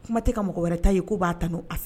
Kuma tɛ ka mɔgɔ wɛrɛ ta ye ko b'a n' a fɛ